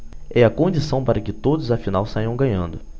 é a condição para que todos afinal saiam ganhando